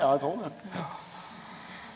ja eg trur det.